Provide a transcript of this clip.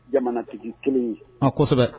Jamanatigi kelen ye h kosɛbɛ